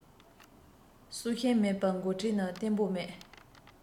སྲོག ཤིང མེད པའི འགོ ཁྲིད ནི བརྟན པོ མེད